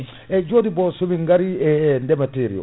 eyyi joni bon somin gari e e ndeemateri o